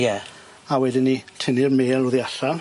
Ie. A wedyn 'ny tynnu'r mêl oddi allan.